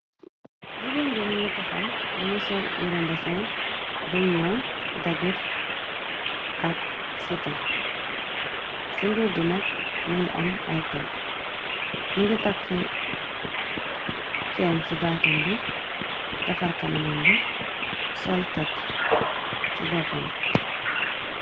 Jigéen bi mu ngi taxaw mu ngi sol yirèh mbasen bum ñaw dagit ak sipá ci mbubu bi nak mu ngi am ay péér mu ngi takka cèèn ci batambi defarr kana mambi sol tek ci boppambi.